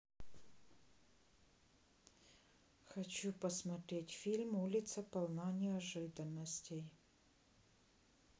хочу посмотреть фильм улица полна неожиданностей